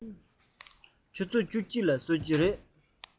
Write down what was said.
ཆུ ཚོད བཅུ གཅིག ལ གསོད ཀྱི རེད